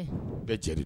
Bɛɛ cɛ de di